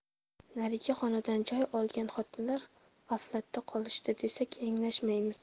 narigi xonadan joy olgan xotinlar g'aflatda qolishdi desak yanglishmaymiz